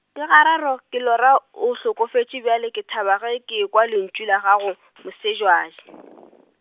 ke gararo, ke lora o hlokofetše bjale ke thaba ge ke ekwa lentšu la gago, Mosebjadi.